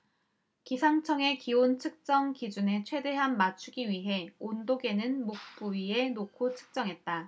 기상청의 기온 측정 기준에 최대한 맞추기 위해 온도계는 목 부위에 놓고 측정했다